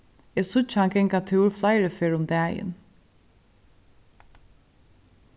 eg síggi hann ganga túr fleiri ferðir um dagin